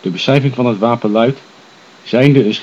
beschrijving van het wapen luidt: " zijnde